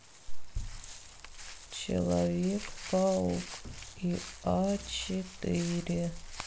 человек паук и а четыре